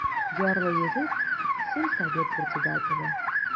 Ярлы егет, сельсовет председателе.